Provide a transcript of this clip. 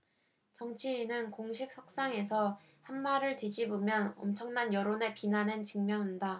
정치인은 공식 석상에서 한 말을 뒤집으면 엄청난 여론의 비난에 직면한다